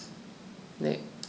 Ne.